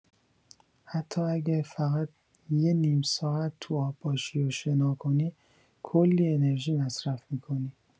حتی اگه فقط یه نیم ساعت تو آب باشی و شنا کنی، کلی انرژی مصرف می‌کنی.